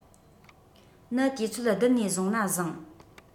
ནི དུས ཚོད བདུན ནས བཟུང ན བཟང